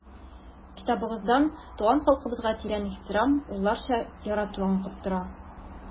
Китабыгыздан туган халкыбызга тирән ихтирам, улларча ярату аңкып тора.